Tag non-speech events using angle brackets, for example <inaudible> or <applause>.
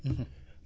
<hesitation> <hesitation>